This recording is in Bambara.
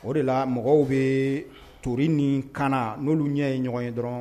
O de la mɔgɔw bee tori ni kana n'olu ɲɛ ye ɲɔgɔn ye dɔrɔn